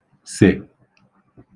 sè